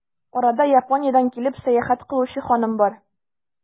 Арада, Япониядән килеп, сәяхәт кылучы ханым да бар.